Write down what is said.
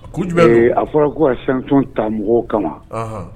Ku a fɔra ko ka sanfɛn ta mɔgɔw kama